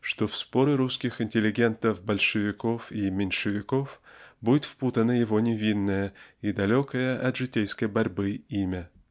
что в споры русских интеллигентов "болышевиков" и "меньшевиков" будет впутано его невинное и далекое от житейской борьбы имя.